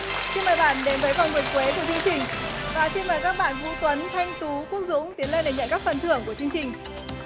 xin mời bạn đến với vòng nguyệt quế của chương trình và xin mời các bạn vũ tuấn thanh tú quốc dũng tiến lên để nhận các phần thưởng của chương trình